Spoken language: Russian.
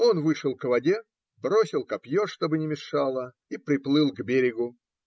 Он вышел к воде, бросил копье, чтоб не мешало, и приплыл к берегу.